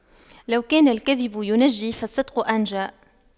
لو كان الكذب ينجي فالصدق أنجى